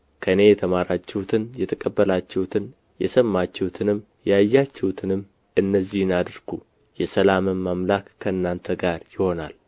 ከእኔ የተማራችሁትንና የተቀበላችሁትን የሰማችሁትንም ያያችሁትንም እነዚህን አድርጉ የሰላምም አምላክ ከእናንተ ጋር ይሆናል